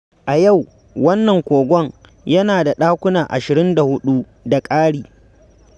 A yau, wannan kogon yana da ɗakuna 24 da ƙari.